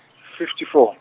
fifty four.